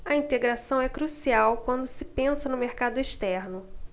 a integração é crucial quando se pensa no mercado externo